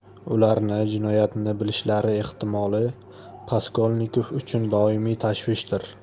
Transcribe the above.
ularning jinoyatni bilishlari ehtimoli raskolnikov uchun doimiy tashvishdir